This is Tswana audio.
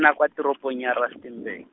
nna kwa toropong ya Rustenburg.